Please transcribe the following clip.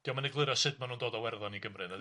Dio'm yn egluro sut ma' nw'n dod o Werddon i Gymru nado?